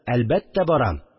Әлбәттә, барам